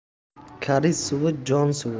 kariz suvi jon suvi